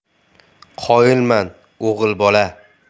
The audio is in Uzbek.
qoyilman o'g'il bola